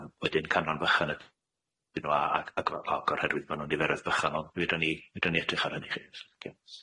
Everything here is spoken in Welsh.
Yym wedyn canran bychan ydyn nw a- ag- ag- ag- o'r herwydd ma' nw'n niferoedd bychan ond fedrwn ni fedrwn ni edrych ar hynny i chi.